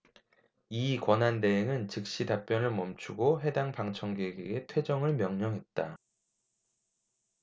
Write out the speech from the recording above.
이 권한대항은 즉시 답변을 멈추고 해당 방청객에게 퇴정을 명령했다